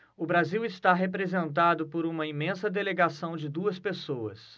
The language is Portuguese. o brasil está representado por uma imensa delegação de duas pessoas